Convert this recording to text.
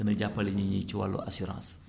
gën a jàppale nit ñi ci wàllu assurance